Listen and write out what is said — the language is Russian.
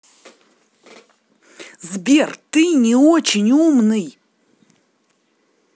сбер ты не очень умный